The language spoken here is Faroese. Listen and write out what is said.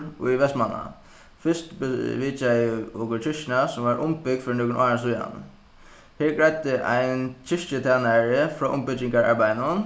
í vestmanna fyrst vitjaðu okur kirkjuna sum varð umbygd fyri nøkrum árum síðani her greiddi ein kirkjutænari frá umbyggingararbeiðinum